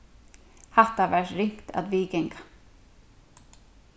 hatta var ringt at viðganga